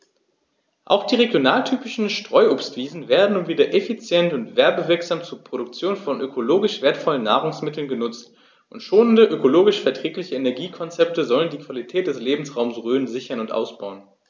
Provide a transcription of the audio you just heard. Auch die regionaltypischen Streuobstwiesen werden nun wieder effizient und werbewirksam zur Produktion von ökologisch wertvollen Nahrungsmitteln genutzt, und schonende, ökologisch verträgliche Energiekonzepte sollen die Qualität des Lebensraumes Rhön sichern und ausbauen.